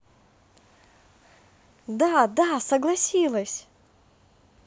да да согласилась